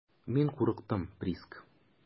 Мин курыктым, Приск.